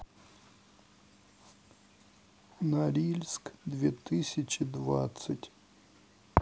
норильск две тысячи двадцать